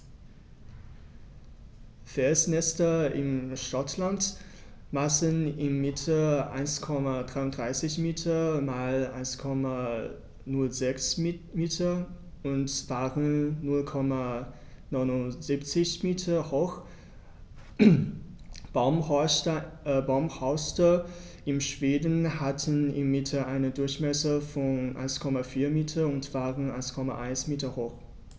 Felsnester in Schottland maßen im Mittel 1,33 m x 1,06 m und waren 0,79 m hoch, Baumhorste in Schweden hatten im Mittel einen Durchmesser von 1,4 m und waren 1,1 m hoch.